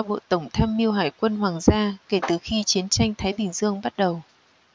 bộ tổng tham mưu hải quân hoàng gia kể từ khi chiến tranh thái bình dương bắt đầu